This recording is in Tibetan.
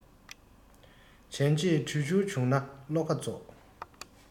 བྱས རྗེས དྲུད ཤུལ བྱུང ན བློ ཁ རྫོགས